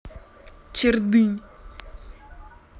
чердынь